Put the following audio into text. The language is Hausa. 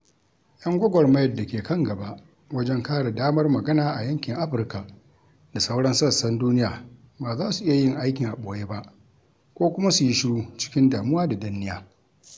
Yan gwagwarmayar da ke kan gaba wajen kare damar magana a yankin Afirka da sauran sassan duniya ba za su iya yin aikin a ɓoye ba ko kuma su yi shiru cikin damuwa da danniya.